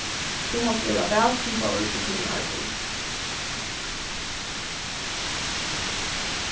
tú mást vera vælskipaður í tínum arbeiði